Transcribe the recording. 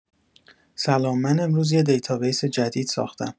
سلام من امروز یه دیتابیس جدید ساختم.